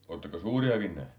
oletteko suuriakin nähnyt